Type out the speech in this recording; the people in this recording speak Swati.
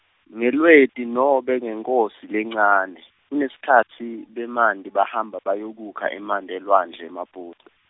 ngeLweti nobe ngeNkhosi lencane, kungesikhatsi bemanti bahamba bayokukha emanti elwandle eMaputo.